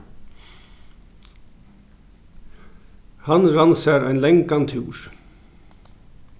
hann rann sær ein langan túr